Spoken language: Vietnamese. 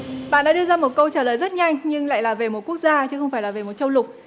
bạn đã đưa ra một câu trả lời rất nhanh nhưng lại là về một quốc gia chứ không phải là về một châu lục